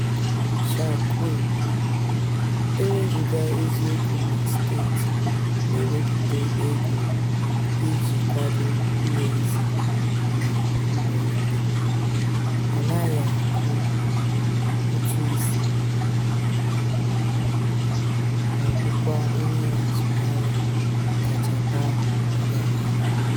@charquaoia: E wezuga eziokwu na steeti na-ewepụta ego iji kwado ụlọeze na ụlọikpe, ọ naghị akwụ ụtụisi, ma ọ bụkwa onye azụmahịa kacha baa ọgaranya.